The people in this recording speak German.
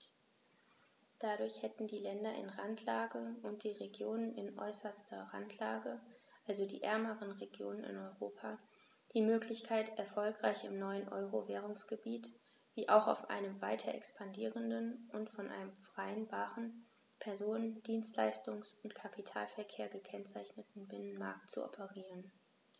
Dadurch hätten die Länder in Randlage und die Regionen in äußerster Randlage, also die ärmeren Regionen in Europa, die Möglichkeit, erfolgreich im neuen Euro-Währungsgebiet wie auch auf einem weiter expandierenden und von einem freien Waren-, Personen-, Dienstleistungs- und Kapitalverkehr gekennzeichneten Binnenmarkt zu operieren.